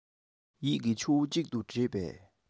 ཡིད ཀྱི ཆུ བོ གཅིག ཏུ འདྲེས པའི